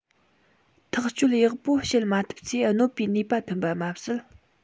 ཐག གཅོད ཡག པོ བྱེད མ ཐུབ ཚེ གནོད པའི ནུས པ ཐོན པ མ ཟད